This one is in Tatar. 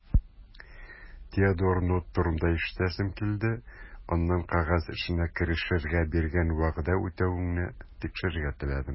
Теодор Нотт турында ишетәсем килде, аннан кәгазь эшенә керешергә биргән вәгъдә үтәвеңне тикшерергә теләдем.